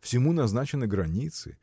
всему назначены границы.